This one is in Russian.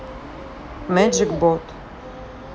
magic bot